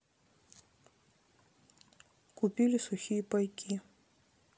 купили сухие пайки